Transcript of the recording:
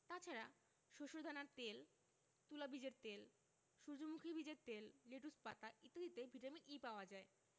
তাছাড়া শস্যদানার তেল তুলা বীজের তেল সূর্যমুখী বীজের তেল লেটুস পাতা ইত্যাদিতে ভিটামিন E পাওয়া যায়